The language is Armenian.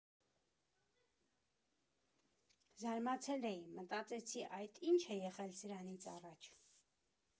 Զարմացել էի, մտածեցի՝ այդ ի՞նչ է եղել սրանից առաջ…